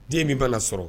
Den min b'a lasɔrɔ